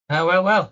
Y- wel, wel.